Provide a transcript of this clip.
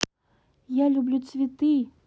я люблю цветы